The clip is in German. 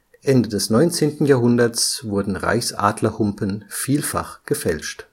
Ende des 19. Jahrhunderts wurden Reichsadlerhumpen vielfach gefälscht